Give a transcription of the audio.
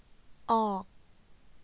ออก